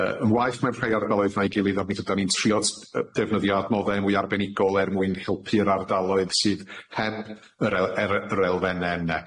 Yy yn waeth ma' rhai ardaloedd na'i gilydd a mi tydan ni'n trio s- yy defnyddio adnodde mwy arbenigol er mwyn helpu'r ardaloedd sydd heb yr el- ere- yr elfenne yne.